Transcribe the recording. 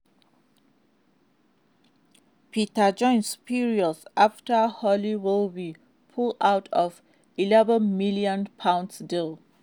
Peter Jones 'furious' after Holly Willoughby pulls out of £11million deal